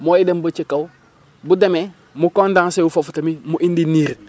mooy dem ba ci kaw bu demee mu condensé wu foofu tamit mu indi niir bi